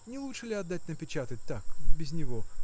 не лучше ли отдать напечатать так, без него?